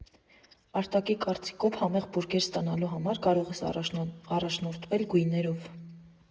Արտակի կարծիքով՝ համեղ բուրգեր ստանալու համար կարող ես առաջնորդվել գույներով։